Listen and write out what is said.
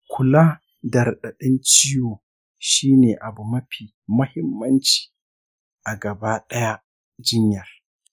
kula da radadin ciwo shine abu mafi muhimmanci a gaba daya jinyar.